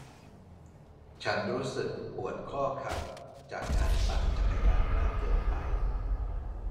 ฉันรู้สึกปวดข้อเข่าจากการปั่นจักรยานมากเกินไป